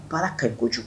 Baara ka